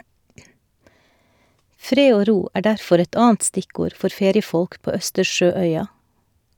Fred og ro er derfor et annet stikkord for feriefolk på Østersjø-øya.